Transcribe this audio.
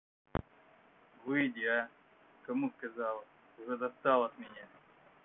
выйди а кому сказала уже достал от меня